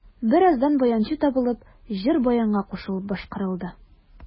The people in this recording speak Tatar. Бераздан баянчы табылып, җыр баянга кушылып башкарылды.